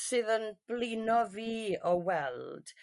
sydd yn blino fi o weld